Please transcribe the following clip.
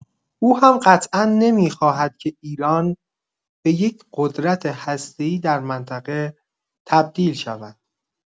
او هم قطعا نمی‌خواهد که ایران به یک قدرت هسته‌ای در منطقه تبدیل شود.